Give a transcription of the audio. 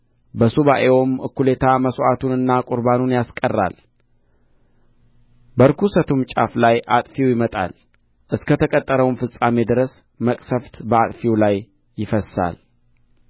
በሱባዔውም እኵሌታ መሥዋዕቱንና ቍርባኑን ያስቀራል በርኵሰትም ጫፍ ላይ አጥፊው ይመጣል እስከ ተቈረጠውም ፍጻሜ ድረስ መቅሠፍት በአጥፊው ላይ ይፈስሳል